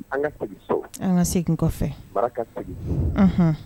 An ka segin fɛ